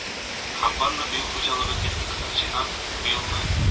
Һәм барлык юл хуҗалыгы техникасын җыйнап, быелны